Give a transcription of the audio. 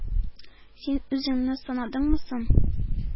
— син үзеңне санадыңмы соң?